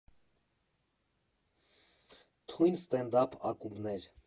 Թույն ստենդափ ակումբներ։